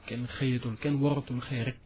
kenn xëyatul kenn waratul xëy rekk